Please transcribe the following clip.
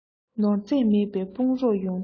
ནོར རྫས མེད པར དཔུང རོགས ཡོང ཐབས མེད